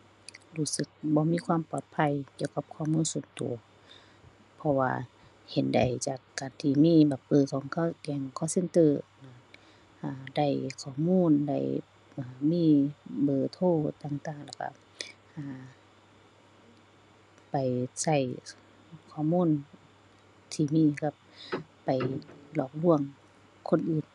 รู้สึกบ่มีความปลอดภัยเกี่ยวกับข้อมูลส่วนตัว เพราะว่าเห็นได้จาก ตัวที่มีแบบ เออ แก๊ง call center น่ะ อ่า ได้ข้อมูล ได้ อ่า มีเบอร์โทรต่างต่างแล้วตัว อ่า ไปตัวข้อมูลที่มีกับไปหลอกลวงคนอื่น